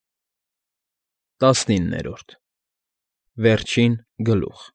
ՏԱՍՆԻՆՆԵՐՈՐԴ ՎԵՐՋԻՆ ԳԼՈՒԽ։